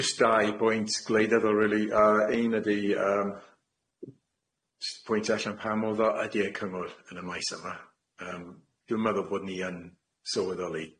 Jyst dau bwynt gwleidyddol rili yy, un ydi yym s- pwyntio allan pam o'r dda ydi e cyngor yn y maes yma yym dwi'n meddwl bod ni yn sylweddoli.